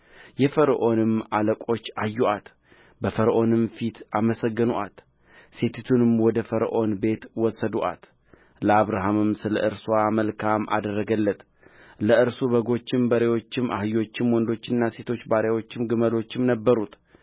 የፈርዖንም አለቆች አዩአት በፈርዖንም ፊት አመሰገኑአት ሴቲቱንም ወደ ፈርዖን ቤት ወሰዱአት ለአብራምም ስለ እርስዋ መልካም አደረገለት ለእርሱ በጎችም በሬዎችም አህዮችም ወንዶችና ሴቶች ባሪያዎችም ግመሎችም ነበሩት